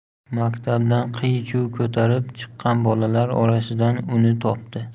maktabdan qiy chuv ko'tarib chiqqan bolalar orasidan uni topdi